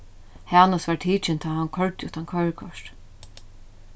hanus varð tikin tá hann koyrdi uttan koyrikort